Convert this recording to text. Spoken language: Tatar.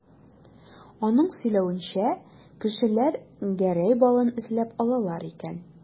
Аның сөйләвенчә, кешеләр Гәрәй балын эзләп алалар икән.